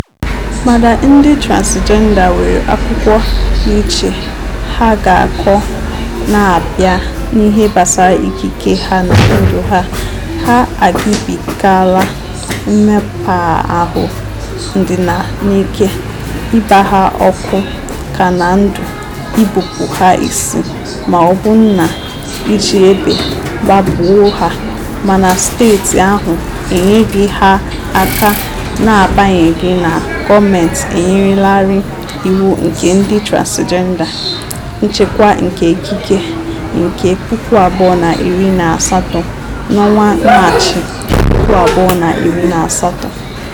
Mana, ndị transịjenda nwere akụkọ dị iche ha ga-akọ ma a bịa n'ihe gbasara ikike ha na ndụ ha; ha agibigaala mmekpa ahụ, ndina n'ike, ịgba ha ọkụ ka na ndụ, igbupụ ha isi ma ọbụna iji egbe gbagbuo ha, mana steeti ahụ enyeghị ha aka na-agbanyeghị na gọọmentị enyelaarị Iwu nke Ndị Transịjenda (Nchekwa nke Ikike) nke 2018 n'ọnwa Maachị 2018.